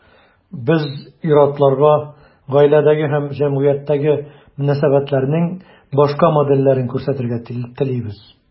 Без ир-атларга гаиләдәге һәм җәмгыятьтәге мөнәсәбәтләрнең башка модельләрен күрсәтергә телибез.